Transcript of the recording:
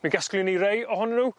Mi gasgluwn ni rei ohonyn n'w